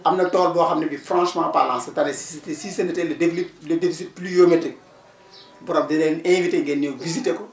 am na tool boo xam ne bi franchement parlant cette année ci si ce n' était le déclic le déficit pluviométrique borom di na leen invité ngeen ñëw visiter ko